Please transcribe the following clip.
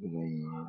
geed